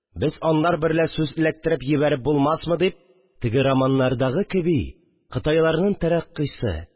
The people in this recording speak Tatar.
Без, алар берлә сүз эләктереп җибәреп булмасмы дип, теге романнардагы кеби, кытайларның тәрәккыйсе,